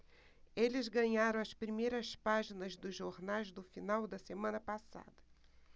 eles ganharam as primeiras páginas dos jornais do final da semana passada